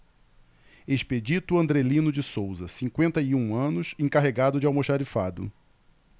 expedito andrelino de souza cinquenta e um anos encarregado de almoxarifado